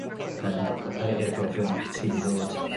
yn yy i'r brofion sydd i ddod.